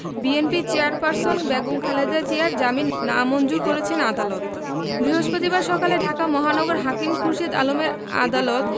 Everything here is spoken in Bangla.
বিএনপির চেয়ারপারসন খালেদা জিয়ার জামিন নামঞ্জুর করেছেন আদালত বৃহস্পতিবার সকালে ঢাকা মহানগর হাকিম খুরশীদ আলমের আদালত